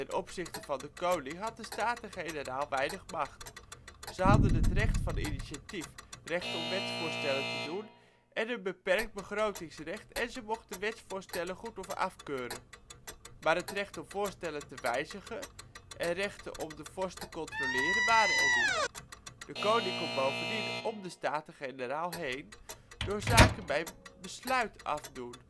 opzichte van de koning had de Staten-Generaal weinig macht. Ze hadden het recht van initiatief (recht om wetsvoorstellen te doen) en een beperkt begrotingsrecht en ze mochten wetsvoorstellen goed - of afkeuren. Maar het recht om voorstellen te wijzigen en rechten om de vorst te controleren waren er niet. De koning kon bovendien om de Staten-Generaal heen, door zaken bij Besluit afdoen